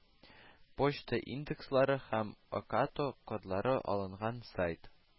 Почта индекслары һәм ОКАТО кодлары алынган сайт